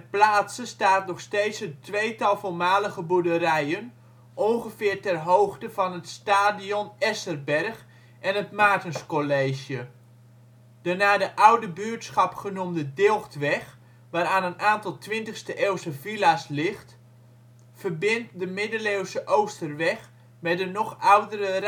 plaatse staat nog steeds een tweetal voormalige boerderijen, ongeveer ter hoogte van het Stadion Esserberg en het Maartenscollege. De naar de oude buurtschap genoemde Dilgtweg, waaraan een aantal twintigste-eeuwse villa 's ligt, verbindt de middeleeuwse Oosterweg met de nog oudere